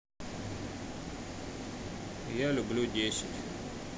я люблю десять